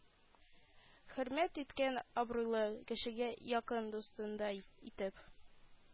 Хөрмәт иткән абруйлы кешегә якын дустыңдай итеп